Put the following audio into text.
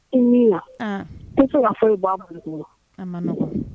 I i tɔgɔ ka fɔ i b'